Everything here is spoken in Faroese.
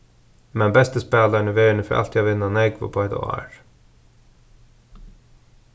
men besti spælarin í verðini fer altíð at vinna nógv uppá eitt ár